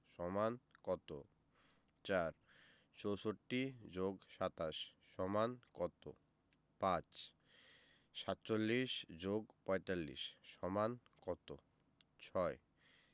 = কত ৪ ৬৪ + ২৭ = কত ৫ ৪৭ + ৪৫ = কত ৬